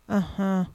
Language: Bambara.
Hɔn